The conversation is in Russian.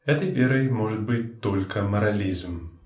этой верой может быть только морализм.